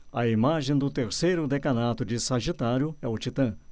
a imagem do terceiro decanato de sagitário é o titã